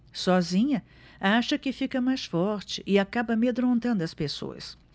sozinha acha que fica mais forte e acaba amedrontando as pessoas